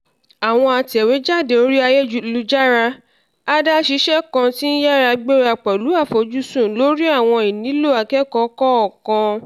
Àwọn atẹ̀wéjáde orí ayélujára, adáṣiṣẹ́ kan ti ń yára gbéra pẹ̀lú àfojúsùn lórí àwọn ìnílò akẹ́kọ̀ọ́ kọ̀ọ̀kan.